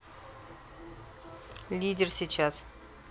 лидер сейчас